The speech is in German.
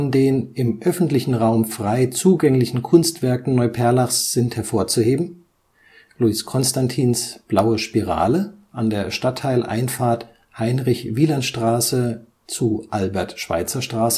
den im öffentlichen Raum frei zugänglichen Kunstwerken Neuperlachs sind hervorzuheben: Louis Constantins „ Blaue Spirale “(1972) an der Stadtteileinfahrt Heinrich-Wieland-Straße / Albert-Schweitzer-Straße